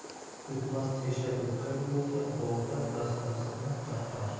o'tmas tesha o'tkir bo'lsa bolta dastasini qirqar